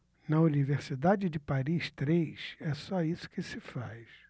na universidade de paris três é só isso que se faz